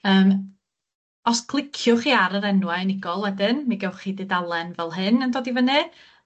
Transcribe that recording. Yym os cliciwch chi ar yr enwa' unigol wedyn, mi gewch chi dudalen fel hyn yn dod i fyny